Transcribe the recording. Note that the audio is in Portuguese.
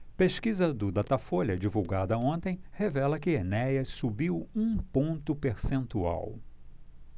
pesquisa do datafolha divulgada ontem revela que enéas subiu um ponto percentual